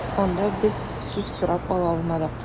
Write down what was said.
Анда без сүз сорап ала алмадык.